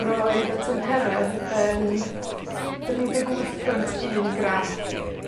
roedd y tymheredd yn dri deg wyth pwynt un gradd.